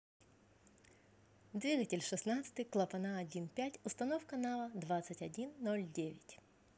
двигатель шестнадцатый клапана один пять установка нава двадцать один ноль девять